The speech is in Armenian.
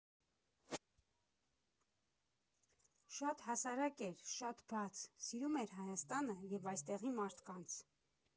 Շատ հասարակ էր, շատ բաց, սիրում էր Հայաստանը և այստեղի մարդկանց։